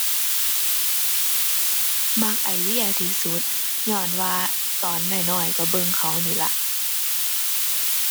มักอ้ายเวียร์ที่สุด ญ้อนว่าตอนน้อยน้อยก็เบิ่งเขานี่ล่ะ